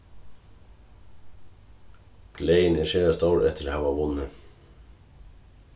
gleðin er sera stór eftir at hava vunnið